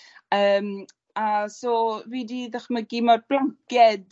yym a so fi 'di ddychmygu ma'r blanced